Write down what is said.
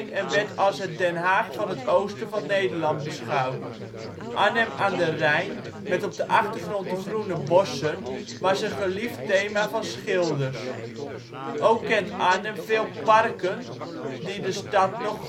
en werd als het Den Haag van het oosten van Nederland beschouwd. Arnhem aan de Rijn, met op de achtergrond de groene bossen was een geliefd thema van schilders. Ook kent Arnhem veel parken die de stad nog